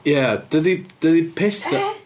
Ia dydi dydi pethau...